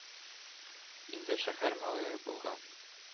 Инде шәһәр малае булган.